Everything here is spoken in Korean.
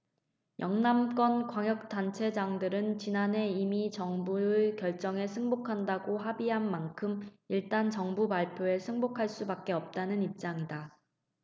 영남권 광역단체장들은 지난해 이미 정부의 결정에 승복한다고 합의한 만큼 일단 정부 발표에 승복할 수밖에 없다는 입장이다